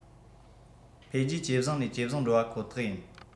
འཕེལ རྒྱས ཇེ བཟང ནས ཇེ བཟང འགྲོ བ ཁོ ཐག ཡིན